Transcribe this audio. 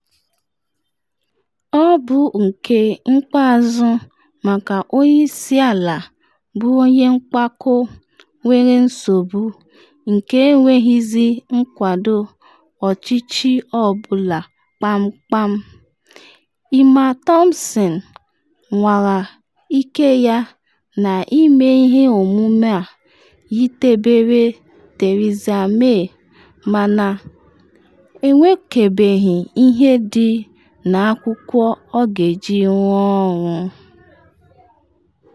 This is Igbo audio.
Ọ bụ nke ikpeazụ maka onye isi ala bụ onye mpako nwere nsogbu, nke enweghịzi nkwado ọchịchị ọ bụla kpamkpam: Emma Thompson nwara ike ya na ime ihe omume a yitebere Teresa-May mana enwekebeghị ihe dị n’akwụkwọ ọ ga-eji rụọ ọrụ.